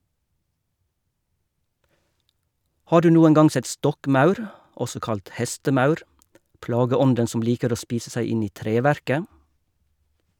Har du noen gang sett stokkmaur , også kalt hestemaur, plageånden som liker å spise seg inn i treverket?